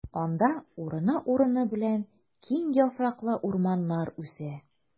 Анда урыны-урыны белән киң яфраклы урманнар үсә.